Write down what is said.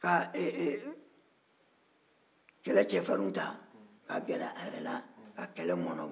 ka kɛlɛ cɛfarinw ta ka gɛrɛ a yɛrɛ ka kɛlɛ mɔɔnɔbɔ